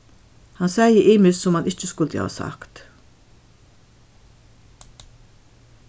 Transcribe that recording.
hann segði ymiskt sum hann ikki skuldi havt sagt